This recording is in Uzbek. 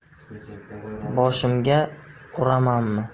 boshimga uramanmi